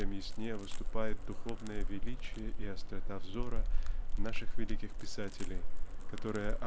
тем яснее выступает духовное величие и острота взора наших великих писателей которые